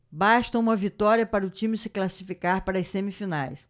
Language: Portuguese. basta uma vitória para o time se classificar para as semifinais